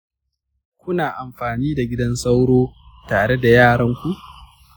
kuna amfani da gidan sauro tare da yaranku?